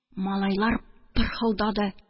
Малайлар пырхылдады: